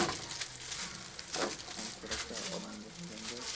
savob ham kerak da odamga yanga